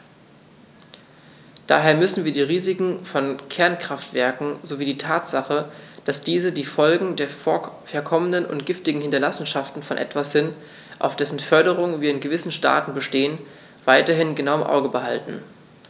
Daher müssen wir die Risiken von Kernkraftwerken sowie die Tatsache, dass diese die Folgen der verkommenen und giftigen Hinterlassenschaften von etwas sind, auf dessen Förderung wir in gewissen Staaten bestehen, weiterhin genau im Auge behalten.